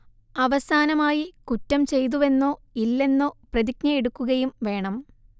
അവസാനമായി കുറ്റം ചെയ്തുവെന്നോ ഇല്ലെന്നോ പ്രതിജ്ഞയെടുക്കുകയും വേണം